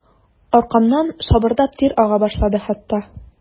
Аркамнан шабырдап тир ага башлады хәтта.